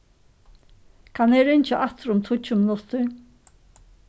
kann eg ringja aftur um tíggju minuttir